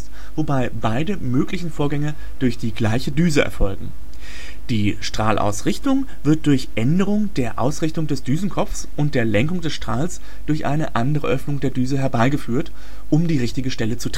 gleiche Düse erfolgen. Die Strahlausrichtung wird durch Änderung der Ausrichtung des Düsenkopfes und Lenkung des Strahls durch eine andere Öffnung der Düse herbeigeführt, um die richtige Stelle zu